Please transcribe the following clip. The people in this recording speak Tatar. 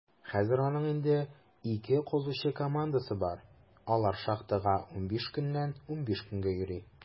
Хәзер аның инде ике казучы командасы бар; алар шахтага 15 көннән 15 көнгә йөри.